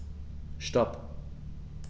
Stop.